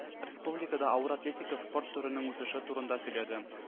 Республикада авыр атлетика спорт түренең үсеше турында сөйләде